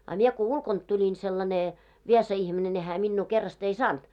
a minä kun ulkoa tulin sellainen viesa ihminen ne hän minua kerrasta ei saanut